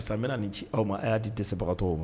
Sa n bɛna nin ci aw ma a y'a di dɛsɛbagatɔ ma